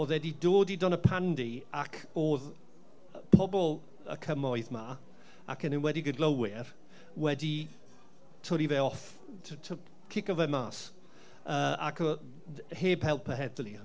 oedd e 'di dod i Donapandy ac oedd pobl y cymoedd 'ma, ac yn enwedig y glowyr wedi torri fe off, t- t- cico fe mas, yy ac yy heb help y heddlu.